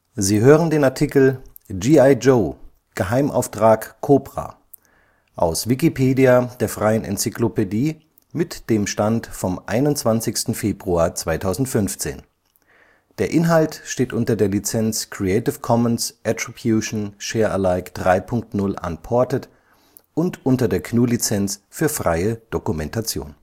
Sie hören den Artikel G.I. Joe – Geheimauftrag Cobra, aus Wikipedia, der freien Enzyklopädie. Mit dem Stand vom Der Inhalt steht unter der Lizenz Creative Commons Attribution Share Alike 3 Punkt 0 Unported und unter der GNU Lizenz für freie Dokumentation